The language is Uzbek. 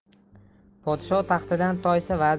podsho taxtidan toysa